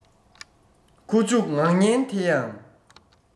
ཁུ བྱུག ངག སྙན དེ ཡང